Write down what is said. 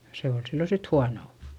se oli silloin sitten huono